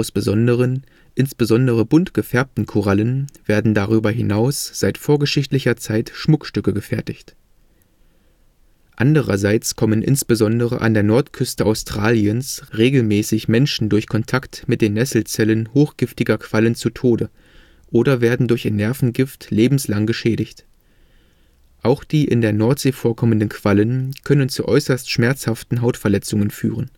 besonderen, insbesondere bunt gefärbten Korallen werden darüber hinaus seit vorgeschichtlicher Zeit Schmuckstücke gefertigt. Andererseits kommen insbesondere an der Nordküste Australiens regelmäßig Menschen durch Kontakt mit den Nesselzellen hochgiftiger Quallen zu Tode oder werden durch ihr Nervengift lebenslang geschädigt. Auch die in der Nordsee vorkommenden Quallen können zu äußerst schmerzhaften Hautverletzungen führen